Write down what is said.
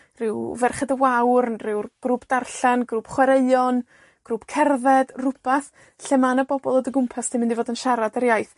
Rhyw Ferched y Wawr, yn ryw grŵp darllan, grŵp chwaraeon, grŵp cerdded, rwbath lle ma' 'na bobol o dy gwmpas di'n mynd i fod yn siarad yr iaith.